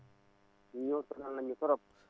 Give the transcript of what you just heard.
ñoom sonal nañ ñu trop